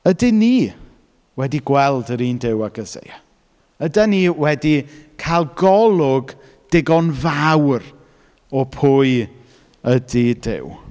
Ydyn ni wedi gweld yr un Duw ag Eseia? Ydyn ni wedi cael golwg digon fawr o pwy ydy Duw?